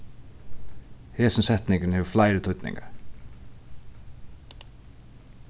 hesin setningurin hevur fleiri týdningar